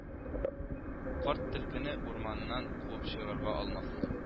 Карт төлкене урманнан куып чыгара алмассың